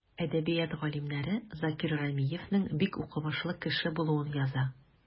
Әдәбият галимнәре Закир Рәмиевнең бик укымышлы кеше булуын яза.